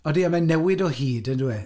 Ydy, a mae'n newid o hyd, yn dyw e.